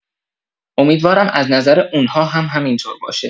امیدوارم از نظر اونا هم همینطور باشه.